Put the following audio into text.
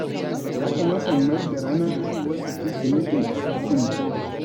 Ya kamata mu mayar da ranar haihuwarsa Kirsimetin ƙasar Sin.